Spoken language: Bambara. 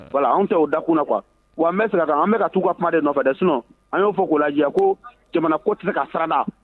Anw tɛ u da kunna qu kuwa wa an bɛ s an bɛka ka tu ka kuma de nɔfɛ dɛ sun an y'o fɔ k'o lajɛjɛ ko jamana ko ti ka farala